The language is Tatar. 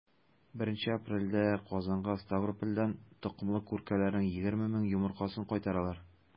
1 апрельдә казанга ставропольдән токымлы күркәләрнең 20 мең йомыркасын кайтаралар.